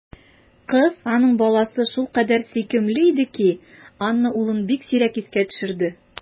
Кыз, аның баласы, шулкадәр сөйкемле иде ки, Анна улын бик сирәк искә төшерде.